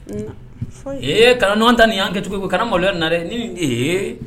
ta ni ye an ta nin kɛ cogo kana maloya nin na dɛ., ni nin ee